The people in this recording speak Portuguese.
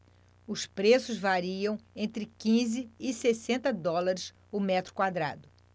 os preços variam entre quinze e sessenta dólares o metro quadrado